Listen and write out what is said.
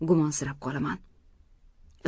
gumonsirab qolaman